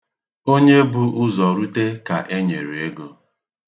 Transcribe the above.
Onye bu ụzọ rute ka e nyere ego.